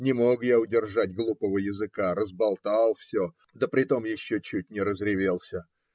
Не мог я удержать глупого языка, разболтал все, да притом еще чуть не разревелся.